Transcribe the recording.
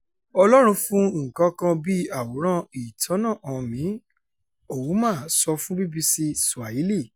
"Ọlọ́run fi nǹkankan bí àwòrán-ìtọ́nà hàn mí", Ouma sọ fún BBC Swahili.